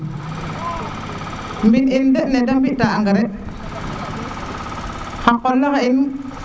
min in de nete mbi ta engrais xa qola xe in